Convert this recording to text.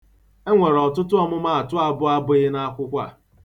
E nwere ọtụtụ ọmụma atụ abụabụghị n'akwụkwọ a.